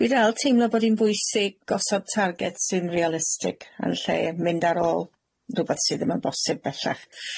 Dwi dal teimlo bod hi'n bwysig gosod targets sy'n realistig yn lle mynd ar ôl rwbath sydd ddim yn bosib bellach.